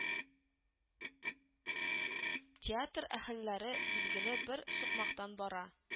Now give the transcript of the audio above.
Театр әһелләре билгеле бер сукмактан бара